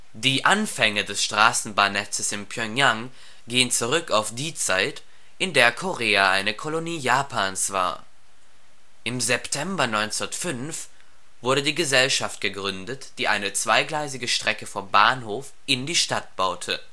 Die Anfänge des Straßenbahnnetzes in Pjöngjang gehen zurück auf die Zeit, in der Korea eine Kolonie Japans war. Im September 1905 wurde die Gesellschaft gegründet, die eine zweigleisige Strecke vom Bahnhof in die Stadt baute